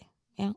Ja.